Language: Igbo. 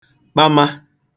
kpama